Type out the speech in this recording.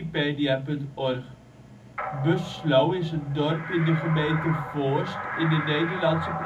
12 ' NB, 6° 8 ' OL Bussloo is een dorp in de gemeente Voorst in de Nederlandse